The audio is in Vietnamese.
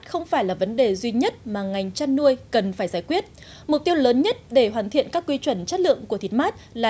không phải là vấn đề duy nhất mà ngành chăn nuôi cần phải giải quyết mục tiêu lớn nhất để hoàn thiện các quy chuẩn chất lượng của thịt mát là